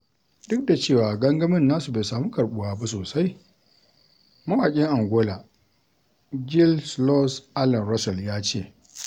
Duk da cewa gangamin nasu bai samu karɓuwa ba sosai, mawaƙin Angola, Gil Slows Allen Russel ya ce: